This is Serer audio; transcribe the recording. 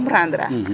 comprendre?